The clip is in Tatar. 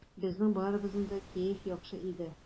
Безнең барыбызның да кәеф яхшы иде.